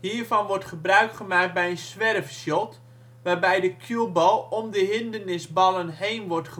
Hiervan wordt gebruikgemaakt bij het swerveshot, waarbij de cueball om de hindernisballen heen wordt